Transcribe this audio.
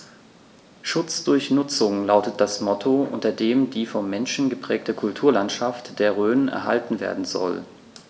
„Schutz durch Nutzung“ lautet das Motto, unter dem die vom Menschen geprägte Kulturlandschaft der Rhön erhalten werden soll.